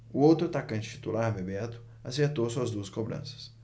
o outro atacante titular bebeto acertou suas duas cobranças